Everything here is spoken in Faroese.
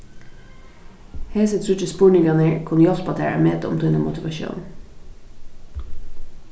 hesir tríggir spurningarnir kunnu hjálpa tær at meta um tína motivatión